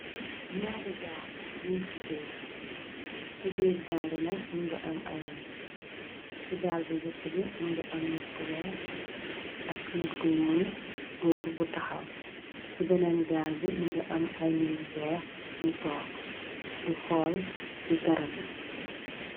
ñaari gaal i ci biir gaali na ñu ngi am ay nit ci gaal bi njëkk bi mënga am nit ku weex ak nittu ñoon góor bu taxaw ci beneen gaal bi më nga am ay niñ weex ni toox di xool ci garab bi